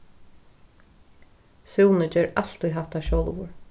súni ger altíð hatta sjálvur